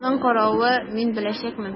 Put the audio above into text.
Аның каравы, мин беләчәкмен!